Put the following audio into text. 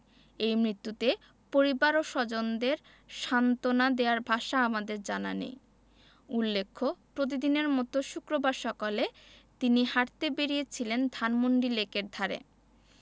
এই মৃত্যুতে পরিবার ও স্বজনদের সান্তনা দেয়ার ভাষা আমাদের জানা নেই উল্লেখ্য প্রতিদিনের মতো শুক্রবার সকালে তিনি হাঁটতে বেরিয়েছিলেন ধানমন্ডি লেকের ধারে